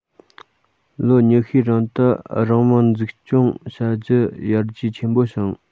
ལོ ཉི ཤུའི རིང དུ རང དམག འཛུགས སྐྱོང བྱ རྒྱུར ཡར རྒྱས ཆེན པོ བྱུང